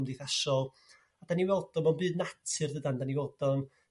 gymd'ithasol, a dan ni weld o fel byd natur dydan dyn ni weld o'n